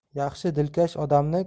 yaxshi dilkash odamni